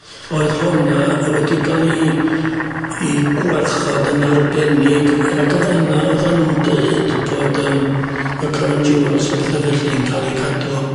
Oedd honna yy wedi ga'l 'i 'i gwarchod yn arbennig. Ie. Ag yn fan 'na oddan nw'n deud bod yym y crown jewels a pethe felly'n ca'l 'u cadw.